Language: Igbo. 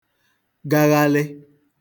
gaghalị